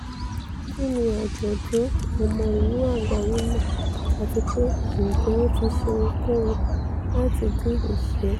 Kínni Àjọ̀dun Ọmọ Ìlú Àgbáyé náà àtipé Ǹjẹ́ ó ti Ṣe Ohunkóhun láti Din Ìṣé?